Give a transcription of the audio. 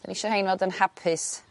'dyn ni isio 'hein fod yn hapus